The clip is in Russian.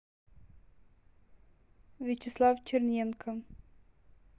вячеслав черненко